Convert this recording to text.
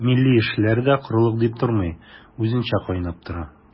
Милли эшләр дә корылык дип тормый, үзенчә кайнап тора.